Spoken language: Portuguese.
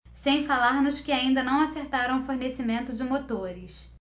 sem falar nos que ainda não acertaram o fornecimento de motores